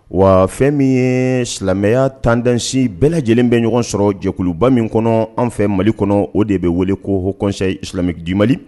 Wa fɛn min ye silamɛya tandci bɛɛ lajɛlen bɛ ɲɔgɔn sɔrɔ jɛkuluba min kɔnɔ an fɛ mali kɔnɔ o de bɛ wele ko hɔɔnse silamɛmi d di mali